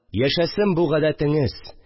Яшәсен бу гадәтеңез